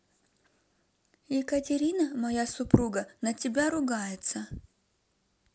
екатерина моя супруга на тебя ругается